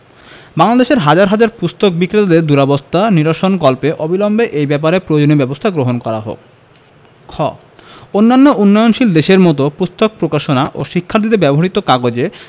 বাংলাদেশের হাজার হাজার পুস্তক বিক্রেতাদের দুরবস্থা নিরসনকল্পে অবিলম্বে এই ব্যাপারে প্রয়োজনীয় ব্যাবস্থা গ্রহণ করা হোক খ অন্যান্য উন্নয়নশীল দেশের মত পুস্তক প্রকাশনা ও শিক্ষার্থীদের ব্যবহৃত কাগজে